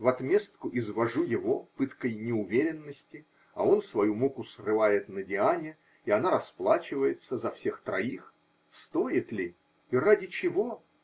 в отместку извожу его пыткой неуверенности, а он свою муку срывает на Диане, и она расплачивается за всех троих. Стоит ли? И ради чего?